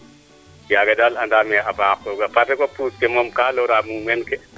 kaaga daal andame a faaxa parce que buus ke moom ka lora mumeen ke